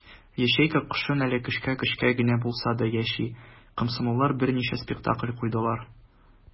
Ячейка кышын әле көчкә-көчкә генә булса да яши - комсомоллар берничә спектакль куйдылар.